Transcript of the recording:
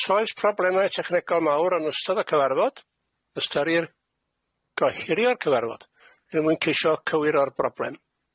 Os oes problemau technegol mawr yn ystod y cyfarfod, ystyrir gohirio'r cyfarfod, er mwyn ceisio cywiro'r broblem.